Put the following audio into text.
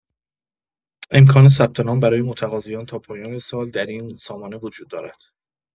امکان ثبت‌نام برای متقاضیان تا پایان سال در این سامانه وجود دارد.